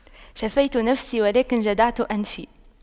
شفيت نفسي ولكن جدعت أنفي